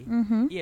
Unhun